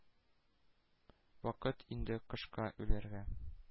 Вакыт инде кышка үләргә,